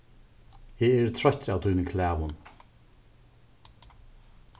eg eri troyttur av tínum klagum